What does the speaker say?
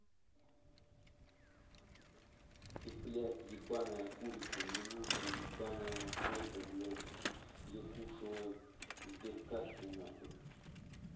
цеплять ебаная курица мне нужно ебаная настройка блядь якушевой сбербокса нахуй